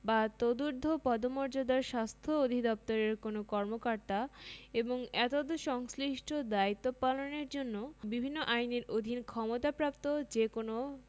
বা তদূর্ধ্ব পদমর্যাদার স্বাস্থ্য অধিদপ্তরের কোন কর্মকর্তা এবং এতদ্সংশ্লিষ্ট দায়িত্ব পালনের জন্য বিভিন্ন আইনের অধীন ক্ষমতাপ্রাপ্ত যে কোন